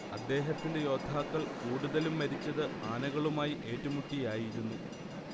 അദ്ദേഹത്തിന്റെ യോദ്ധാക്കൾ കൂടുതലും മരിച്ചത് ആനകളുമായി ഏറ്റുമുട്ടിയായിരുന്നു